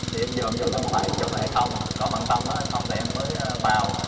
thì em dòm dô coi có phải chỗ này không có bạn tâm đó hay không thì em mới a vào